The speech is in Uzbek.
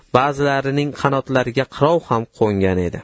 ba'zilarining qanotlariga qirov ham qo'ngan edi